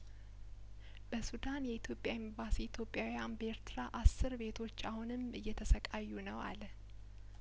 በሱዳን የኢትዮጵያ ኤምባሲ ኢትዮጵያውያን በኤርትራ አስር ቤቶች አሁንም እየተሰቃዩ ነው አለ